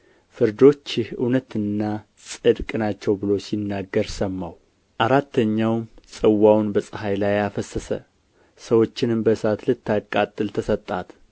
ፍርዶችህ እውነትና ጽድቅ ናቸው ብሎ ሲናገር ሰማሁ አራተኛውም ጽዋውን በፀሐይ ላይ አፈሰሰ ሰዎችንም በእሳት ልታቃጥል ተሰጣት